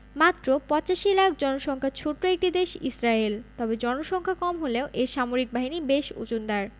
মাত্র ৮৫ লাখ জনসংখ্যার ছোট্ট একটি দেশ ইসরায়েল তবে জনসংখ্যা কম হলেও এর সামরিক বাহিনী বেশ ওজনদার